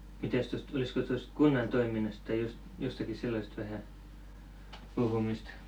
mitenkäs tuosta olisiko tuosta kunnan toiminnasta tai - jostakin sellaisesta vähän puhumista